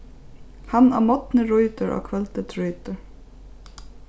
hann á morgni rýtir á kvøldi drítur